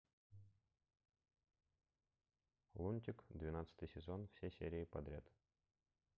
лунтик двенадцатый сезон все серии подряд